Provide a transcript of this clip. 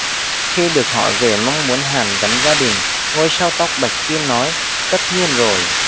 khi được hỏi về mong muốn hàn gắn gia đình ngôi sao tóc bạch kim nói tất nhiên rồi